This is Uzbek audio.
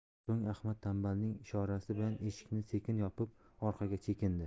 so'ng ahmad tanbalning ishorasi bilan eshikni sekin yopib orqaga chekindi